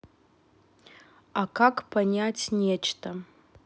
а как понять нечто